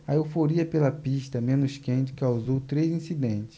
a euforia pela pista menos quente causou três incidentes